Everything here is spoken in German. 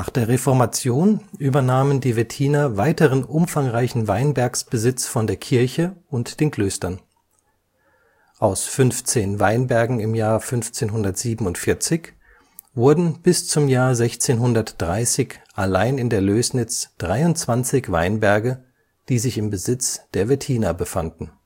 der Reformation übernahmen die Wettiner weiteren umfangreichen Weinbergsbesitz von der Kirche und den Klöstern. Aus 15 Weinbergen im Jahr 1547 wurden bis zum Jahr 1630 allein in der Lößnitz 23 Weinberge, die sich im Besitz der Wettiner befanden